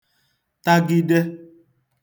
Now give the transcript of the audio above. tagide